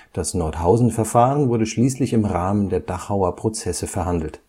Das Nordhausen-Verfahren wurde schließlich im Rahmen der Dachauer Prozesse verhandelt